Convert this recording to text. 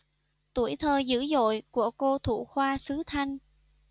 tuổi thơ dữ dội của cô thủ khoa xứ thanh